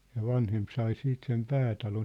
ja vanhempi sai sitten sen päätalon